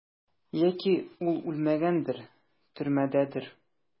Яки ул үлмәгәндер, төрмәдәдер?